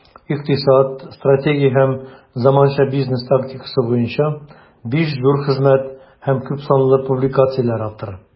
Икътисад, стратегия һәм заманча бизнес тактикасы буенча 5 зур хезмәт һәм күпсанлы публикацияләр авторы.